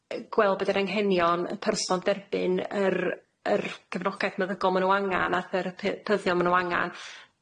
yy gweld be' 'di'r anghenion y person derbyn yr yr cefnogaeth meddygol ma' nw angan a'r therapydd- p- pyddion ma' nw angan